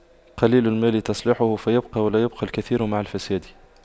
قليل المال تصلحه فيبقى ولا يبقى الكثير مع الفساد